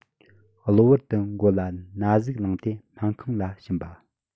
གློ བུར དུ མགོ ལ ན ཟུག ལངས ཏེ སྨན ཁང ལ ཕྱིན པ